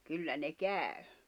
kyllä ne kävi